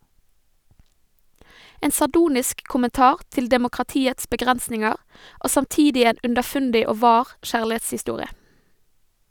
En sardonisk kommentar til demokratiets begrensninger, og samtidig en underfundig og vâr kjærlighetshistorie.